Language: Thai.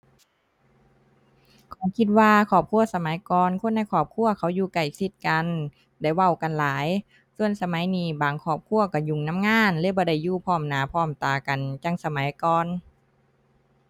ข้อยคิดว่าครอบครัวสมัยก่อน คนในครอบครัวเขาอยู่ใกล้ชิดกัน ได้เว้ากันหลาย ส่วนสมัยนี้บางครอบครัวก็ยุ่งนำงาน เลยบ่ได้อยู่ พร้อมหน้าพร้อมตากัน จั่งสมัยก่อน